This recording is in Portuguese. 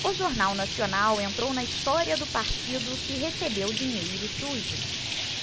o jornal nacional entrou na história do partido que recebeu dinheiro sujo